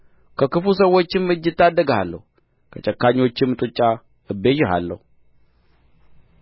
ከክፉ ሰዎችም እጅ እታደግሃለሁ ከጨካኞችም ጡጫ እቤዥሃለሁ